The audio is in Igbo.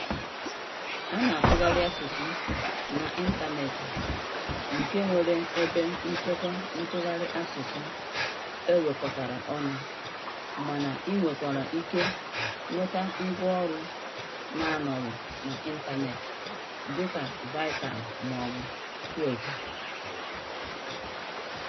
A na-atụgharị ọtụtụ asụsụ n'ịntanetị nke nwere ebe nchekwa ntụgharị asụsụ e wekọtaraọnụ, mana i nwekwara ike nweta ngwaọrụ na-anọghị n'ịntanetị dịka Virtaal maọbụ Poedit.